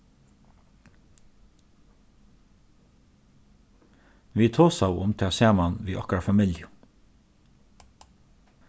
vit tosaðu um tað saman við okkara familju